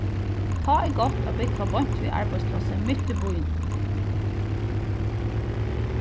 tá er gott at búgva beint við arbeiðsplássið mitt í býnum